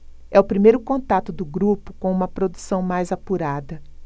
é o primeiro contato do grupo com uma produção mais apurada